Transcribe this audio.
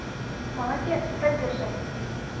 молодец так держать